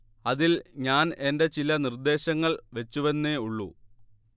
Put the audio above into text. അതിൽ ഞാൻ എന്റെ ചില നിർദ്ദേശങ്ങൾ വച്ചു എന്നേ ഉള്ളൂ